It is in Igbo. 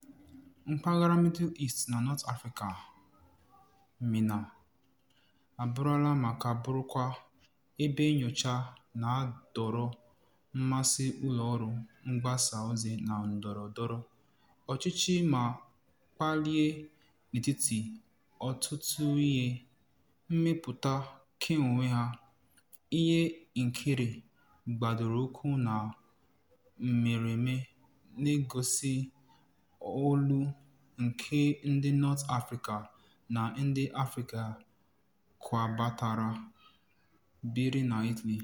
Mpaghara Middle Eastern na North Africa (MENA) abụrụla (ma ka burukwa) ebe nyocha na-adọrọ mmasị ụlọọrụ mgbasaozi na ndọrọndọrọ ọchịchị ma kpalie, n'etiti ọtụtụ ihe, mmepụta keonwe ha, ihe nkiri gbadoroukwu na mmereme na-egosi olu nke ndị North Africa na ndị Afrịka kwabatara biri na Italy.